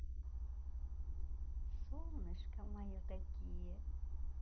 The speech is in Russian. солнышко мое такие